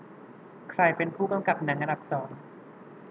ใครเป็นผู้กำกับหนังอันดับสอง